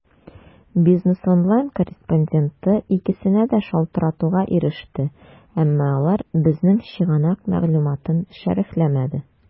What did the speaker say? "бизнес online" корреспонденты икесенә дә шалтыратуга иреште, әмма алар безнең чыганак мәгълүматын шәрехләмәде.